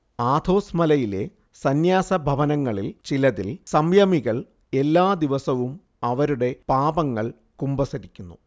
Athos മലയിലെ സന്യാസഭവനങ്ങളിൽ ചിലതിൽ സംയമികൾ എല്ലാ ദിവസവും അവരുടെ പാപങ്ങൾ കുമ്പസാരിക്കുന്നു